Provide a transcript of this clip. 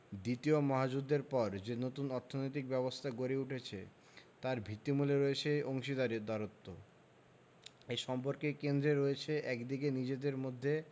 দ্বিতীয় মহাযুদ্ধের পর যে নতুন অর্থনৈতিক ব্যবস্থা গড়ে উঠেছে তার ভিত্তিমূলে রয়েছে এই অংশীদারত্ব এই সম্পর্কের কেন্দ্রে রয়েছে একদিকে নিজেদের মধ্যে